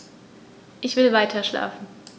Ich will weiterschlafen.